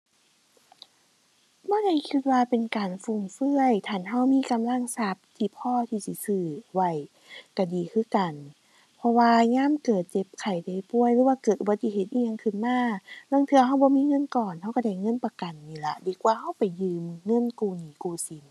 บ่ได้คิดว่าเป็นการฟุ่มเฟือย ถ้าคันเรามีกำลังทรัพย์ที่พอที่สิซื้อไว้ เราดีคือกัน เพราะว่ายามเกิดเจ็บไข้ได้ป่วยหรือว่าเกิดอุบัติเหตุอิหยังขึ้นมา ลางเทื่อเราบ่มีเงินก้อน เราเราได้เงินประกันนี้ล่ะ ดีกว่าเราไปยืมเงิน กู้หนี้ กู้สิน